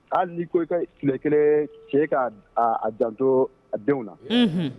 Hali n'i ko i ka tile 1 cɛ k'a a janto a denw na